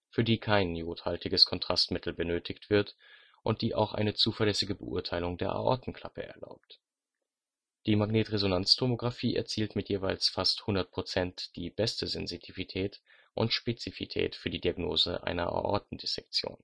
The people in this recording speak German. für die kein iodhaltiges Kontrastmittel benötigt wird und die auch eine zuverlässige Beurteilung der Aortenklappe erlaubt. Die MRT erzielt mit jeweils fast 100 % die beste Sensitivität und Spezifität für die Diagnose einer Aortendissektion